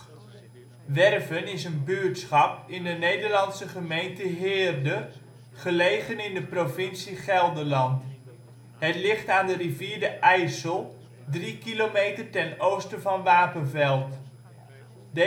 buurtschap in de Nederlandse gemeente Heerde, gelegen in de provincie Gelderland. Het ligt aan de rivier de IJssel, 3 kilometer ten oosten van Wapenveld. Plaatsen in de gemeente Heerde Hoofdplaats: Heerde Dorpen: Veessen · Vorchten · Wapenveld Buurtschappen: Bakhuisbos · Berghuizen · Hoorn · Hoornerveen · Horsthoek · Markluiden · Wapenveld-noord · Werven · Wolbert Gelderland: Steden en dorpen in Gelderland Nederland: Provincies · Gemeenten 52°